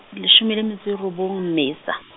leshome le metso e robong Mmesa.